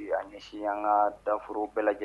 An ɲɛsin an ka danf foro bɛɛ lajɛ lajɛlen